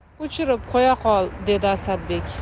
o'chirib qo'ya qol dedi asadbek